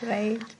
Reit.